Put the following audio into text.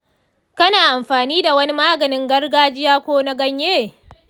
kana amfani da wani maganin gargajiya ko na ganye?